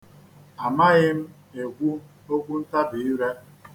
Amaghi m ekwu okwuntabire